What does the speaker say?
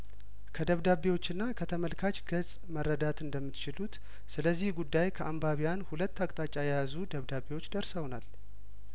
ከደብዳቤዎችና ከተመልካች ገጽ መረዳት እንደምትችሉት ስለዚህ ጉዳይ ከአንባብያን ሁለት አቅጣጫ የያዙ ደብዳቤዎች ደርሰውናል